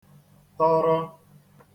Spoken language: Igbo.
tọrọ